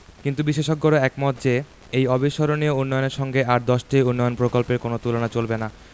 কিন্তু বিশেষজ্ঞরা একমত যে এই অবিস্মরণীয় উন্নয়নের সঙ্গে আর দশটি উন্নয়ন প্রকল্পের কোনো তুলনা চলবে না